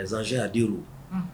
Zsanzse a di